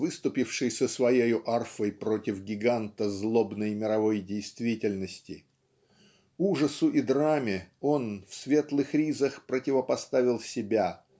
выступивший со своею арфой против гиганта злобной мировой действительности. Ужасу и драме он в светлых ризах противопоставил себя